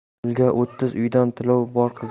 o'g'ilga o'ttiz uydan tilov bor